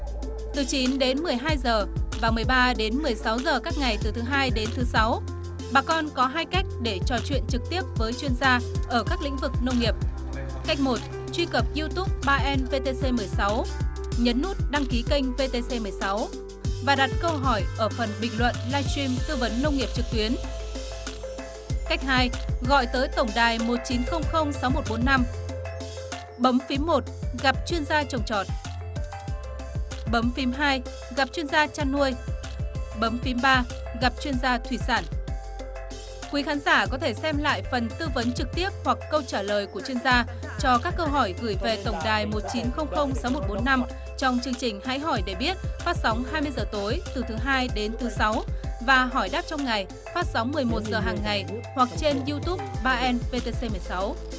từ chín đến mười hai giờ và mười ba đến mười sáu giờ các ngày từ thứ hai đến thứ sáu bà con có hai cách để trò chuyện trực tiếp với chuyên gia ở các lĩnh vực nông nghiệp cách một truy cập iu túp ba en vê tê xê mười sáu nhấn nút đăng ký kênh vê tê xê mười sáu và đặt câu hỏi ở phần bình luận lai trim tư vấn nông nghiệp trực tuyến cách hai gọi tới tổng đài một chín không không sáu một bốn năm bấm phím một gặp chuyên gia trồng trọt bấm phím hai gặp chuyên gia chăn nuôi bấm phím ba gặp chuyên gia thủy sản quý khán giả có thể xem lại phần tư vấn trực tiếp hoặc câu trả lời của chuyên gia cho các câu hỏi gửi về tổng đài một chín không không sáu một bốn năm trong chương trình hãy hỏi để biết phát sóng hai mươi giờ tối từ thứ hai đến thứ sáu và hỏi đáp trong ngày phát sóng mười một giờ hằng ngày hoặc trên iu túp ba en vê tê xê mười sáu